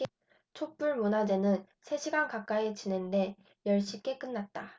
촛불 문화제는 세 시간 가까이 진행돼 열 시께 끝났다